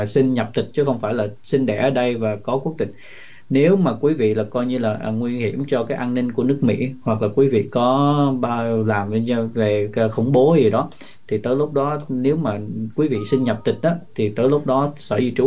xin nhập tịch chứ không phải là sinh đẻ ở đây và có quốc tịch nếu mà quý vị là coi như lời an nguy hiểm cho an ninh của nước mỹ hoặc là quý vị có ba là nguyên nhân về cơ khủng bố thì đó thì tới lúc đó nếu mà quý vị xin nhập tịch đó thì tới lúc đó sở di trú